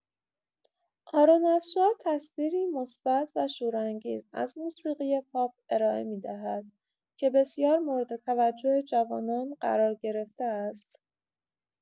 آرون افشار تصویری مثبت و شورانگیز از موسیقی پاپ ارائه می‌دهد که بسیار مورد توجه جوانان قرار گرفته است.